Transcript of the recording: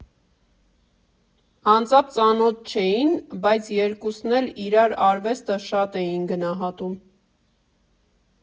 Անձամբ ծանոթ չէին, բայց երկուսն էլ իրար արվեստը շատ էին գնահատում։